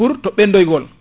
pour to ɓendoygol